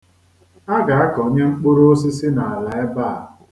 A ga-akọnye mkpụrụosisi n'ala ebe a.